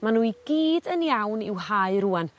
ma' n'w i gyd yn iawn i'w hau rŵan